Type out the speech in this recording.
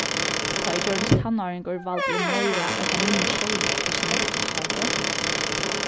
tá eg gjørdist tannáringur valdi eg meira ella minni sjálvur hvussu nógv eg spældi